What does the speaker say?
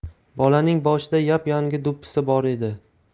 bolaning boshida yap yangi do'ppisi bor edi